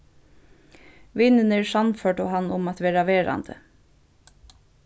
vinirnir sannførdu hann um at verða verandi